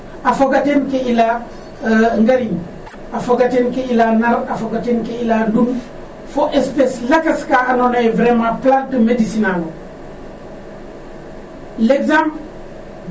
A foga ten ke i layaa ngariñ, a fogaa ten ke i laya nar ,a foga ten ke i laya ndutt fo espece lakas ka andoona yee vraiment plante médecinale o l'exemple